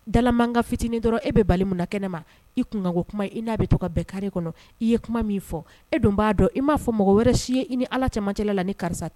Dalamankan fitinin dɔrɔn e bɛ bali mun na kɛnɛma i kunkanko kuma i n'a bɛ to ka bɛn carré kɔnɔ i ye kuma min fɔ e dun b'a dɔn i m'a fɔ mɔgɔ wɛrɛ si ye i ni Ala cɛmancɛla la ni karisa tɛ